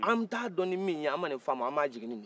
an t'a dɔn ni min ye an ma ni faamu a ma jigi ni nin ye